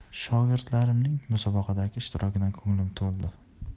shogirdlarimning musobaqadagi ishtirokidan ko'nglim to'ldi